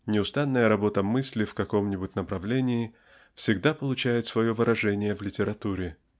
неустанная работа мысли в каком нибудь направлении всегда получают свое выражение в литературе.